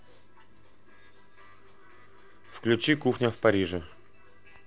включи кухня в париже